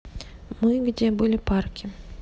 мы где были парки